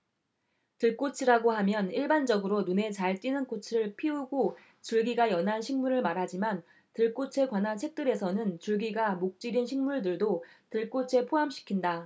들꽃이라고 하면 일반적으로 눈에 잘 띄는 꽃을 피우고 줄기가 연한 식물을 말하지만 들꽃에 관한 책들에서는 줄기가 목질인 식물들도 들꽃에 포함시킨다